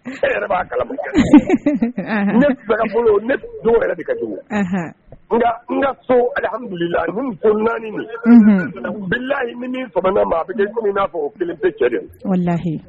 E yɛrɛ b'a kalama jaati . Unhun! Ne bɛ fɛ ka n bolo don, ne Sisoko yɛrɛ de ka jugu. Ɛnhɛn! Nka n ka so, alhamdulilahi nin muso 4 ni,. Unhun. Bilayi ni min fama la n ma, a bɛ kɛ comme i n'a fɔ o 1 pe cɛ do. Walayi.